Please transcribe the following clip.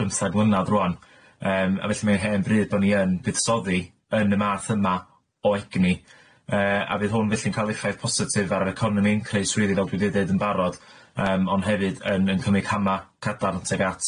bymthag mlynadd rŵan yym a felly mae o hen bryd bo' ni yn buddsoddi yn y math yma o egni yy a fydd hwn felly'n ca'l effaith positif ar yr economi'n creu swyddi fel dwi di deud yn barod yym ond hefyd yn yn cymryd cama' cadarn tuag at